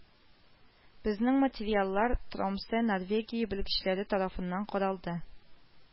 Безнең материаллар Тромсе Норвегия белгечләре тарафыннан каралды